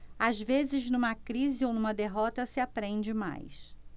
às vezes numa crise ou numa derrota se aprende mais